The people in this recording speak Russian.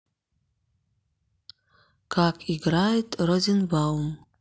как играет розенбаум